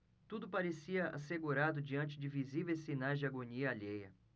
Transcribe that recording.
tudo parecia assegurado diante de visíveis sinais de agonia alheia